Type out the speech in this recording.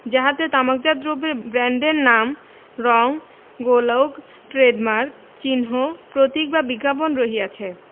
যাহাতে তামাকজাত দ্রব্যের ব্রান্ডের নাম রং গোলোগ ট্রেডমার্ক চিহ্ন প্রতীক বা বিজ্ঞাপন রহিয়াছে